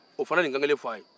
o fana ye nin kan kelen fɔ a ye